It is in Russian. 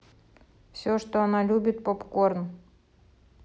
все что она любит попкорн